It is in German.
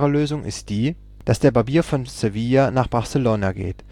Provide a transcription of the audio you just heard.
Lösung ist die, dass der Barbier von Sevilla nach Barcelona geht